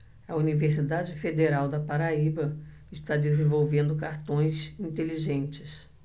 a universidade federal da paraíba está desenvolvendo cartões inteligentes